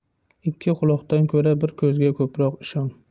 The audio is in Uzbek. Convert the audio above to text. ikki quloqdan ko'ra bir ko'zga ko'proq ishon